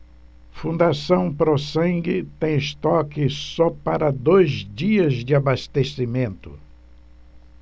fundação pró sangue tem estoque só para dois dias de abastecimento